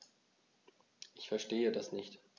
Ich verstehe das nicht.